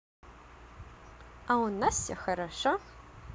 а у нас все хорошо